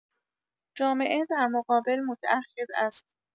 جامعه در مقابل متعهد است.